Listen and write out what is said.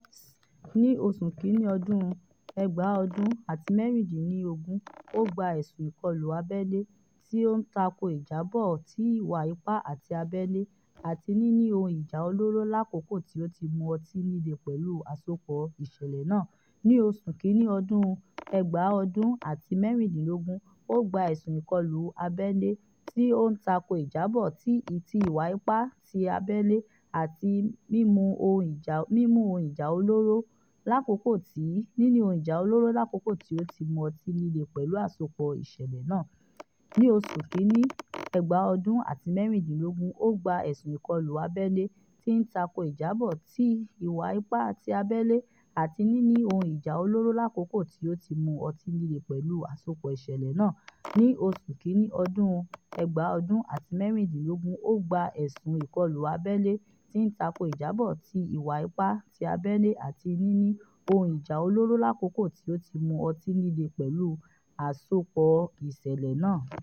Ní Oṣù Kínní ọdún 2016 ó gba ẹ̀sùn ìkọlù abẹ́lé, tí ń tako ìjábọ̀ ti ìwà ipá ti abẹ́lé, àti níní ohun ìjà olóró lákòókò tí ó ti mú ọtí líle pẹlu asopọ iṣẹlẹ naa.